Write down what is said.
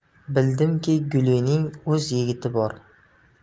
bildimki gulining o'z yigiti bor